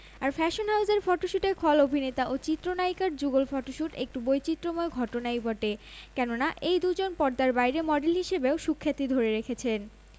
আর fashion হাউজের ফটোশুটে খল অভিনেতা ও চিত্রনায়িকার যুগল ফটোশুট একটু বৈচিত্রময় ঘটনাই বটে কেননা এই দুইজন পর্দার বাইরে মডেল হিসেবেও সুখ্যাতি ধরে রেখেছেন